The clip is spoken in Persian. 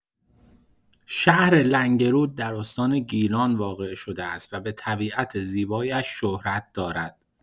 شهر لنگرود در استان گیلان واقع شده است و به طبیعت زیبایش شهرت دارد.